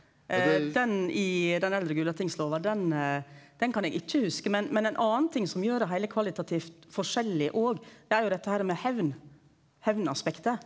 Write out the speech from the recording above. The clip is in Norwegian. den i Den eldre Gulatingslova den den kan eg ikkje hugse, men men ein annan ting som gjer det heile kvalitativt forskjellig òg det er jo dette her med hemn hemnaspektet.